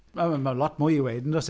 Ma' ma' ma' lot mwy i weud, yn does e?